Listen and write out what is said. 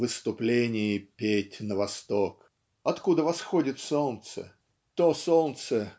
в исступлении петь на восток" откуда восходит солнце то солнце